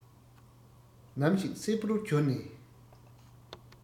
ནམ ཞིག སེར པོར གྱུར ནས